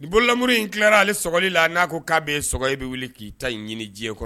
Ni bololamuru in tilara ale sogoli la n'a ko k'a bɛ s i bɛ wele k'i ta ɲi ɲini diɲɛ kɔnɔ